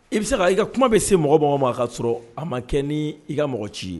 I bɛ se k i ka kuma bɛ se mɔgɔ mɔgɔw ma kaa sɔrɔ a ma kɛ ni i ka mɔgɔ ci ye